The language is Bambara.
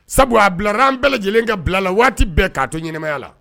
Sabula a bilala an bɛɛ lajɛlen ka bila la waati bɛɛ lajɛlen na k'a to ɲɛnamaya la